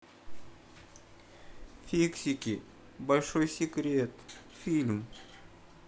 фиксики большой секрет фильм